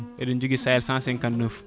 eɗen joogui Sayel159